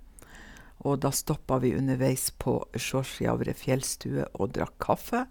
Og da stoppa vi underveis på Suossjavri fjellstue og drakk kaffe.